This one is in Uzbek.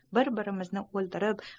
bir birlarimizni oldirib